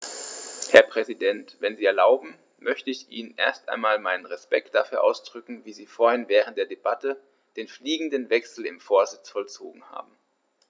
Herr Präsident, wenn Sie erlauben, möchte ich Ihnen erst einmal meinen Respekt dafür ausdrücken, wie Sie vorhin während der Debatte den fliegenden Wechsel im Vorsitz vollzogen haben.